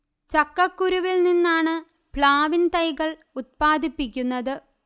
ചക്കക്കുരുവിൽ നിന്നാണ് പ്ലാവിൻ തൈകൾ ഉത്പാദിപ്പിക്കുന്നത്